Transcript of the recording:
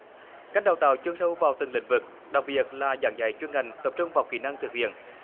cách đào tạo chuyên sâu vào từng lĩnh vực đặc biệt là giảng dạy chuyên ngành tập trung vào kỹ năng thực hiện